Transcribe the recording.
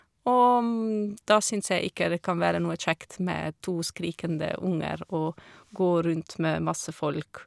Og da syns jeg ikke det kan være noe kjekt med to skrikende unger å gå rundt med masse folk.